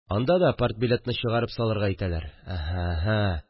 Анда да партбилетны чыгарып салырга әйтәләр... Әһә, әһә